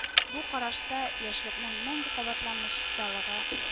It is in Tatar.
Бу карашта яшьлекнең мәңге кабатланмас чисталыгы